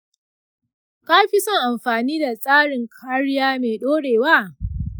kafi son anfani da tsarin kariya mai ɗorewa?